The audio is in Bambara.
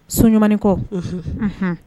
So ɲumanin kɔ